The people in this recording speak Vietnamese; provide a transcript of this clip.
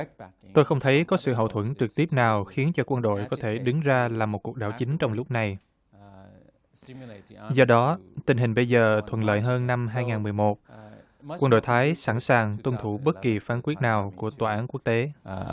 tôi không thấy có sự hậu thuẫn trực tiếp nào khiến cho quân đội có thể đứng ra là một cuộc đảo chính trong lúc này do đó tình hình bây giờ thuận lợi hơn năm hai ngàn mười một quân đội thái sẵn sàng tuân thủ bất kỳ phán quyết nào của tòa án quốc tế